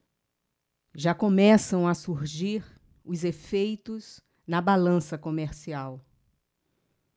já começam a surgir os efeitos na balança comercial